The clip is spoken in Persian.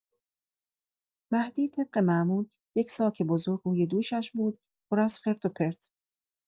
مهدی طبق معمول، یه ساک بزرگ روی دوشش بود، پر از خرت‌وپرت.